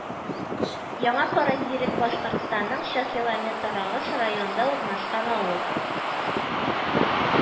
Яңа Каразирек Башкортстанның Чакилометрагыш районында урнашкан авыл